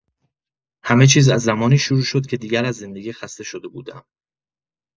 همه‌چیز از زمانی شروع شد که دیگر از زندگی خسته شده بودم.